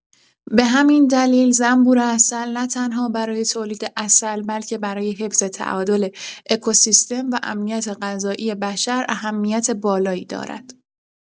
به همین دلیل زنبور عسل نه‌تنها برای تولید عسل، بلکه برای حفظ تعادل اکوسیستم و امنیت غذایی بشر اهمیت بالایی دارد.